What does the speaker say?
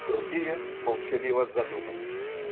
Другие - молчаливо задумались.